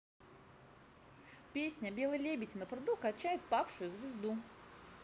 песня белый лебедь на пруду качает павшую звезду